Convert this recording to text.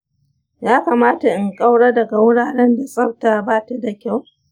ya kamata in ƙaura daga wuraren da tsafta ba ta da kyau?